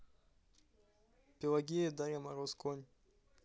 пелагея дарья мороз конь